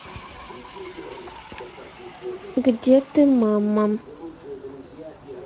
где ты мама